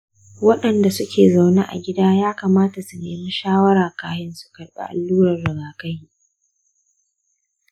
wanda suke zaune a gida yakamata su nemi shawara kafin su karɓi allurar rigakafi..